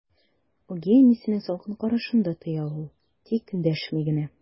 Үги әнисенең салкын карашын да тоя ул, тик дәшми генә.